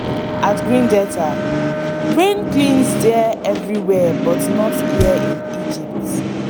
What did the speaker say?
@gr33ndata : Rain cleans there everywhere but not here in Egypt.